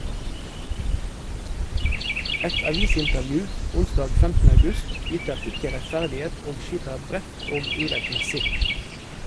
Et avisintervju (onsdag 15. august) yter ikke rettferdighet og skyter bredt og urettmessig.